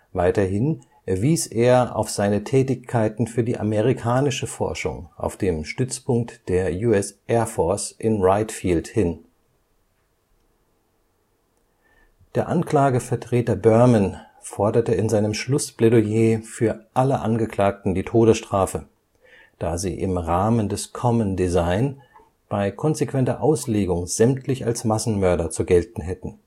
Weiterhin wies er auf seine Tätigkeiten für die amerikanische Forschung auf dem Stützpunkt der US Air Force (USAF) in Wright Field hin. Der Angeklagte Erhard Brauny empfängt am 30. Dezember 1947 sein Urteil im Dachauer Dora-Prozess. Der Anklagevertreter Berman forderte in seinem Schlussplädoyer für alle Angeklagten die Todesstrafe, da sie im Rahmen des Common Design bei konsequenter Auslegung sämtlich als Massenmörder zu gelten hätten